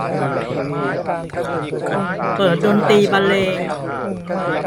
เปิดดนตรีบรรเลง